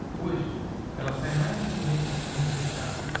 hoje elas saem mais facilmente desse mundo fechado